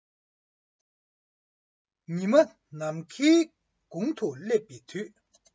ཉི མ ནམ མཁའི དགུང དུ སླེབས པའི དུས